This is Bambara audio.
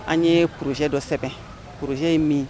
An ye pjɛ dɔ sɛbɛn pjɛ ye min